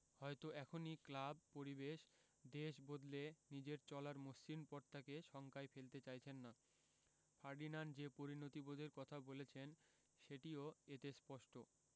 হয়তো এখনই ক্লাব পরিবেশ দেশ বদলে নিজের চলার মসৃণ পথটাকে শঙ্কায় ফেলতে চাইছেন না ফার্ডিনান্ড যে পরিণতিবোধের কথা বলেছেন সেটিও এতে স্পষ্ট